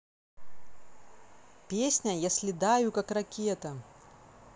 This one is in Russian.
песня я следаю как ракета